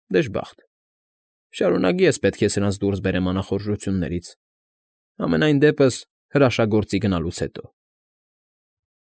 Դժբախտ. շարունակ ես պետք է սրանց դուրս բերեմ անախորժություններից, համենայն դեպս՝ հրաշագործի գնալուց հետո։